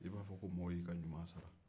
i b'a fɔ ko maaw y'i ka ɲuman sara